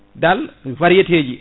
dal variété ji